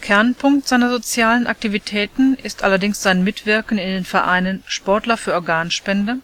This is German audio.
Kernpunkt seiner sozialen Aktivitäten ist allerdings sein Mitwirken in den Vereinen „ Sportler für Organspende